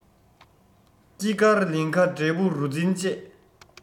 ཁྱི དཀར ལིངྒ འབྲས བུ རོ འཛིན བཅས